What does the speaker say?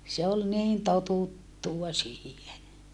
se oli niin totuttua siihen